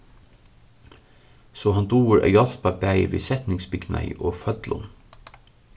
so hann dugir at hjálpa bæði við setningsbygnaði og føllum